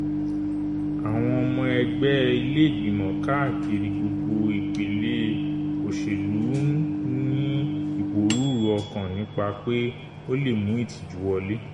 Àwọn ϙmϙ ẹgbẹ́ ilé ìgbìmọ̀ káàkiri gbogbo ìpele òṣèlú ń ní ìpòrúru-ọkàn nípa pe ó lè mú ìtìjú wọlé.